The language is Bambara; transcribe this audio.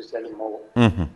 , unhun